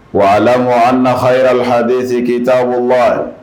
Wa ayiwa an nahayira bɛ haden se k'yita wa